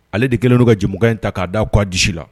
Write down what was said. Ale de kɛlen' ka jamu in ta k'a da k disi la